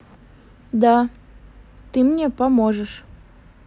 да ты мне поможешь